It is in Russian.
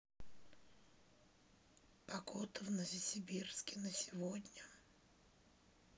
погода в новосибирске на сегодня